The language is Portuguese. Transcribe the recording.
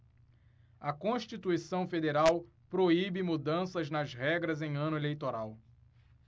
a constituição federal proíbe mudanças nas regras em ano eleitoral